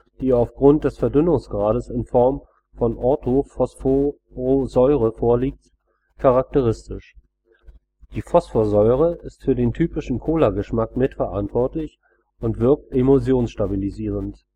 die aufgrund des Verdünnungsgrades in Form der Orthophosphorsäure vorliegt, charakteristisch. Die Phosphorsäure ist für den typischen Cola-Geschmack mitverantwortlich und wirkt emulsionsstabilisierend